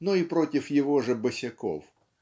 но и против его же босяков.